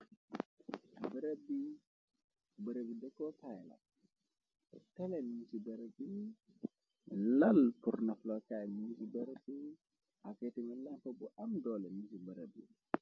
Barab bi, barab bi dekoo kayla, tele ñgi ci bërab bi, lal pur naflokaay mingi ci barab bi, ak tamit lampa bu am doole mingi ci barab bi.